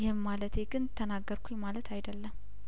ይህን ማለቴ ግን ተናገርኩኝ ማለት አይደለም